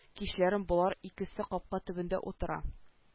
Кичләрен болар икесе капка төбендә утыра